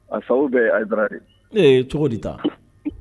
A sago bɛɛ ye Haidara de ye eee cogo di tan?